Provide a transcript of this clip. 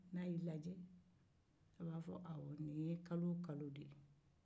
n'a y'i laje a b'a fɔ nin ye kalo o kalo de ye